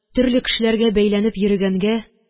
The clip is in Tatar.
Төрле кешеләргә бәйләнеп йөрегәнгә,